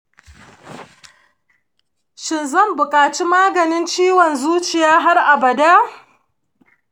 shin, zan buƙaci maganin ciwon zuciya har abada?